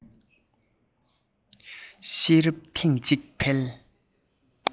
ཤེས རབ ཐེངས གཅིག འཕེལ